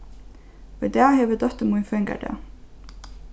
í dag hevur dóttir mín føðingardag